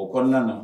O kɔnɔna na